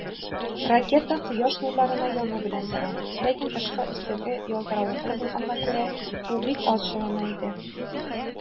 Ракета Кояш нурларына яны белән тора, ләкин тышкы өслеге ялтыравыклы булганга күрә, ул бик аз җылына иде.